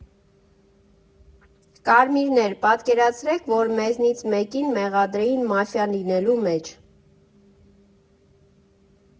Կարմիրներ, պատկերացրեք, որ մեզնից մեկին մեղադրեին մաֆիա լինելու մեջ։